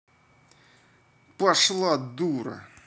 пошла дура